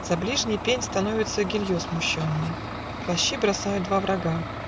За ближний пень Становится Гильо смущенный. Плащи бросают два врага.